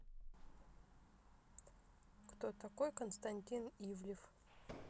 кто такой константин ивлев